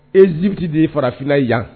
Egypte de ye farafinna yan